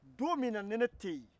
don min na ni ne tɛ yen